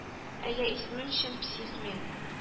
Әйе исемем чын псих мин